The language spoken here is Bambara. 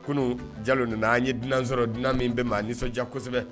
Kunun ja nana na an ye dunan sɔrɔ dunan min bɛɛ ma nisɔndiya kosɛbɛ